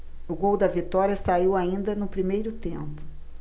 o gol da vitória saiu ainda no primeiro tempo